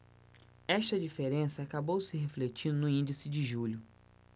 esta diferença acabou se refletindo no índice de julho